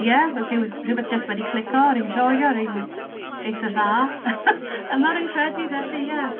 Ie, roedd rhyw- rhywbeth jyst wedi clicio, rwy'n joio, rwy'n eitha dda rwy'n fi'n credu. Felly ie.